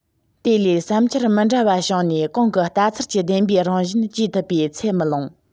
དེ ལས བསམ འཆར མི འདྲ བ བྱུང ནས གོང གི ལྟ ཚུལ གྱི བདེན པའི རང བཞིན བཅོས ཐུབ པའི ཚད མི ལོངས